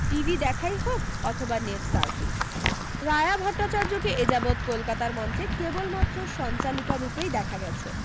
TV দেখাই হোক অথবা নেট সার্ফিং রায়া ভট্টাচার্যকে এ যাবত কলকাতার মঞ্চে কেবলমাত্র সঞ্চালিকা রূপেই দেখা গেছে